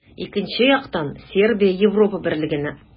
Икенче яктан, Сербия Европа Берлегенә омтыла.